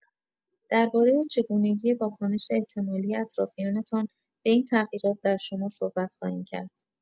درباره چگونگی واکنش احتمالی اطرافیانتان به این تغییرات در شما صحبت خواهیم کرد.